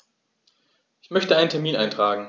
Ich möchte einen Termin eintragen.